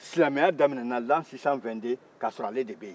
silamɛya daminɛna lan sisan wɛnde ka kɔrɔ ale de bɛ yen